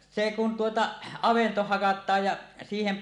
se kun tuota avanto hakataan ja siihen